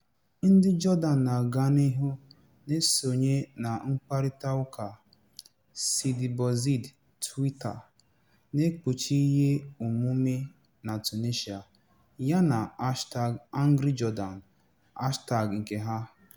Ndị Jordan na-aga n'ihu na-esonye na mkparịta ụka #sidibouzid Twitter (na-ekpuchi ihe omume na Tunisia), yana #angryjordan hashtag nke ha.